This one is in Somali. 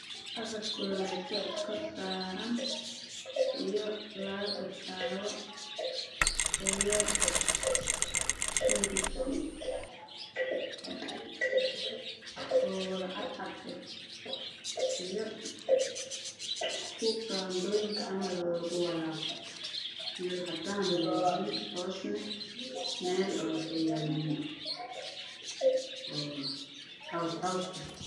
Meeshaan waxaa ka muuqdo afar kululeyso oo is dulsaaran